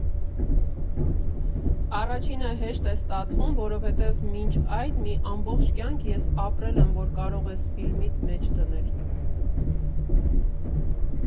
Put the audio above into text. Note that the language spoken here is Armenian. Առաջինը հեշտ է ստացվում, որովհետև մինչ այդ մի ամբողջ կյանք ես ապրել, որ կարող ես ֆիլմիդ մեջ դնել։